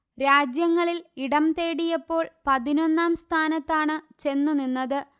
രാജ്യങ്ങളിൽ ഇടം തേടിയപ്പോൾ പതിനൊന്നാം സ്ഥാനത്താണ് ചെന്നു നിന്നത്